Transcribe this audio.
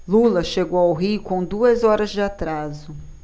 lula chegou ao rio com duas horas de atraso